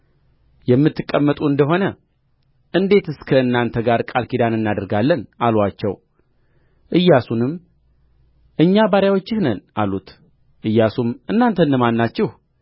የምትቀመጡ እንደ ሆነ እንዴትስ ከእናንተ ጋር ቃል ኪዳን እናደርጋለን አሉአቸው ኢያሱንም እኛ ባሪያዎችህ ነን አሉት ኢያሱም እናንተ እነማን ናችሁ